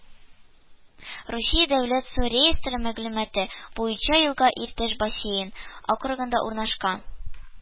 Русия дәүләт су реестры мәгълүматы буенча елга Иртеш бассейн округында урнашкан